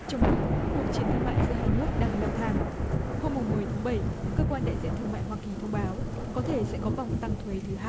trong lúc cuộc chiến thương mại giữa hai nước đang leo thang hôm mùng mười tháng bảy cơ quan đại diện thương mại hoa kỳ thông báo có thể sẽ có vòng tăng thuế thứ hai